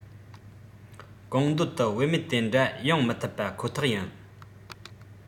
གང འདོད དུ བེད མེད དེ འདྲ ཡོང མི ཐུབ པ ཁོ ཐག ཡིན